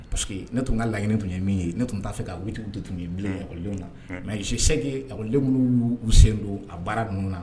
Pa parce que ne tun ka laɲiniini tun ye min ye ne tun t'a fɛ ka wuli de tun bɛ bilakɔ na mɛ se segin a len minnu uu sen don a baara ninnu na